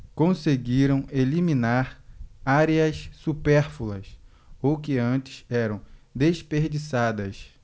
conseguiram eliminar áreas supérfluas ou que antes eram desperdiçadas